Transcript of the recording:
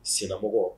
Sinamɔgɔ